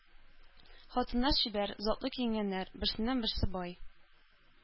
Хатыннар чибәр, затлы киенгәннәр, берсеннән-берсе бай.